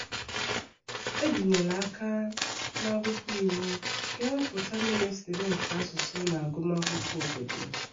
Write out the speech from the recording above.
"Ebinyela aka n'akwụkwọ iwu ka e kewapụta Ministri nke Asụsụ na Agụmakwụkwọ Obodo."